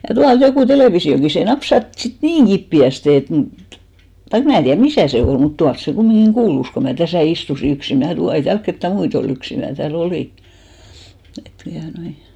ja tuolta joku televisiokin se napsahti sitten niin kipeästi että mutta taikka minä tiedä missä se oli mutta tuolla se kumminkin kuului kun minä tässä istuin yksin minä ei täällä ketään muita ollut yksin minä täällä olin että tuota noin